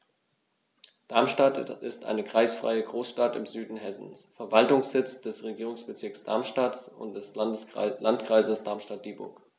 Darmstadt ist eine kreisfreie Großstadt im Süden Hessens, Verwaltungssitz des Regierungsbezirks Darmstadt und des Landkreises Darmstadt-Dieburg.